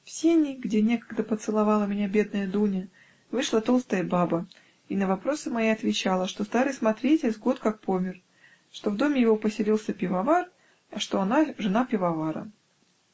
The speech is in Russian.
В сени (где некогда поцеловала меня бедная Дуня) вышла толстая баба и на вопросы мои отвечала, что старый смотритель с год как помер, что в доме его поселился пивовар, а что она жена пивоварова.